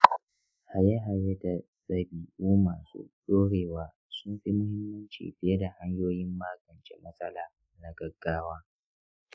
haye-haye da ɗabi'u masu dorewa sun fi muhimmanci fiye da hanyoyin magance matsala na gaggawa